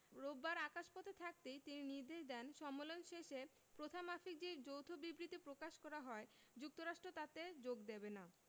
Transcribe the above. রোববার আকাশপথে থাকতেই তিনি নির্দেশ দেন সম্মেলন শেষে প্রথামাফিক যে যৌথ বিবৃতি প্রকাশ করা হয় যুক্তরাষ্ট্র তাতে যোগ দেবে না